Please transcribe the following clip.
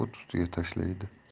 o't ustiga tashlaydi